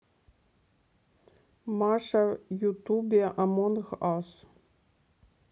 маша ютубе амонг ас